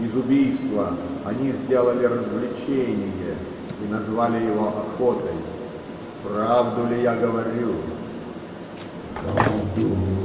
из убийства они сделали развлечение и назвали его охотой. Правду ли я говорю? -- Правду!